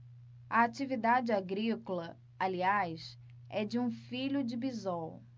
a atividade agrícola aliás é de um filho de bisol